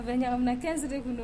A bɛ ɲa kɛnsiri tun don